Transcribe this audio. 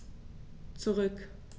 Zurück.